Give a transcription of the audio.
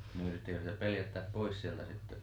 no yritettiinkö sitä pelottaa pois sieltä sitten